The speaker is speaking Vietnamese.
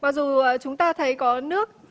mặc dù à chúng ta thấy có nước